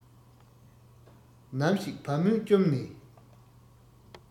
ནམ ཞིག བ མོས བཅོམ ནས